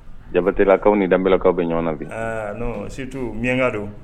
Jabatɛlakaw ni danbeɛlɛlakaw bɛ ɲɔgɔn na bi aa situ miyanka don